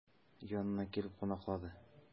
Янына килеп кунаклады.